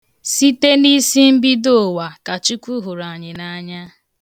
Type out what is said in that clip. Site n'isimbido ụwa ka Chukwu hụrụ anyị n'anya.